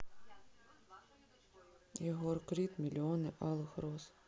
егор крид миллионы алых роз